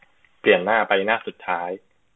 เปลี่ยนหน้าไปหน้าสุดท้าย